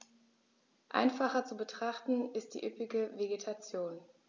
Einfacher zu betrachten ist die üppige Vegetation.